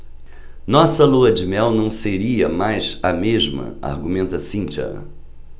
nossa lua-de-mel não seria mais a mesma argumenta cíntia